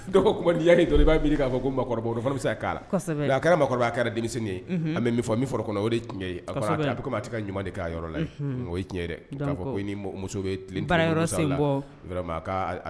Denya b'a fɔ kokɔrɔba kɛra kɛra denmisɛn a bɛ fɔ min kɔnɔ o tiɲɛ ka ɲuman cɛna fɔ muso